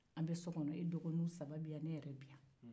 an bɛ so kɔnɔ e dɔgɔniw saba bɛ yan ne yɛrɛ bɛ yan